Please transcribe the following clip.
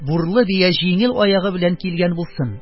Бурлы бия җиңел аягы белән килгән булсын.